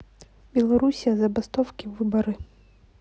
белоруссия забастовки выборы